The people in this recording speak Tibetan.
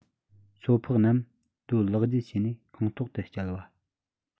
སོ ཕག རྣམས རྡོ ལག བརྒྱུད བྱས ནས ཁང ཐོག ཏུ བསྐྱལ བ